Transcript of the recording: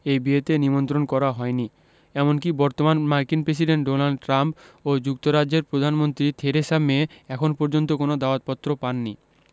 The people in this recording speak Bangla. এই বিয়েতে নিমন্ত্রণ করা হয়নি এমনকি বর্তমান মার্কিন প্রেসিডেন্ট ডোনাল্ড ট্রাম্প ও যুক্তরাজ্যের প্রধানমন্ত্রী থেরেসা মে এখন পর্যন্ত কোনো দাওয়াতপত্র পাননি